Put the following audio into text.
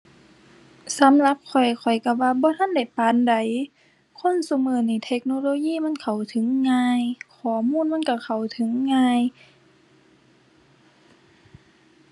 สำหรับข้อย ข้อยก็ว่าบ่ทันได้ปานใด คนซุนี้เทคโนโลยีมันเข้าถึงง่าย ข้อมูลมันก็เข้าถึงง่าย